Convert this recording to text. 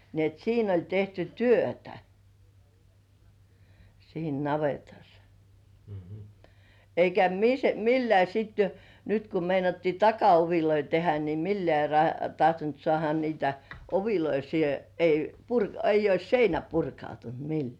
niin että siinä oli tehty työtä siinä navetassa eikä millään sitten jo nyt kun meinattiin takaovia tehdä niin millään - tahtonut saada niitä ovia siihen ei - ei olisi seinä purkautunut millään